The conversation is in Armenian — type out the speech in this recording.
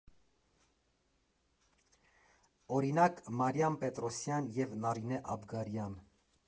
Օրինակ՝ Մարիամ Պետրոսյան և Նարինե Աբգարյան։